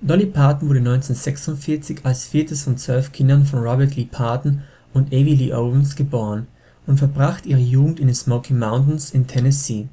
Dolly Parton wurde 1946 als viertes von zwölf Kindern von Robert Lee Parton und Avie Lee Owens geboren und verbrachte ihre Jugend in den Smoky Mountains in Tennessee.